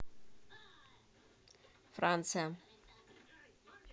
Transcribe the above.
франция